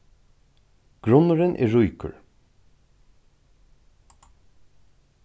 grunnurin er ríkur